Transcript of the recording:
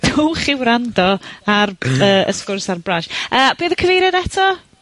...dowch i wrando ar yy, y sgwrs ar Branch. Yy, be' odd y cyfeiriad eto?